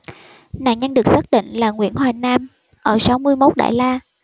nạn nhân được xác định là nguyễn hoài nam ở sáu mươi mốt đại la